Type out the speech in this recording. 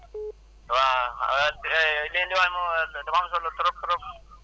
waaw li ngeen di wax noonu dafa am solo trop trop